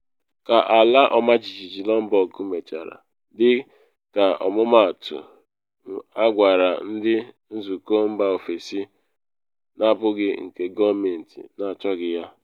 Ka ala ọmajijiji Lombok mechara, dịka ọmụmaatụ, agwara ndị nzụkọ mba ofesi na abụghị nke gọọmentị na achọghị ha.